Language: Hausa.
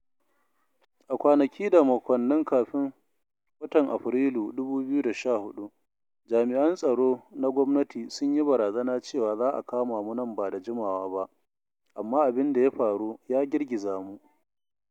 A kwanaki da makonnin kafin kamar watan Afrilu 2014, jami’an tsaro na gwamnati sun yi barazana cewa za a kama mu nan ba da jimawa ba, amma abin da ya faru ya girgiza mu.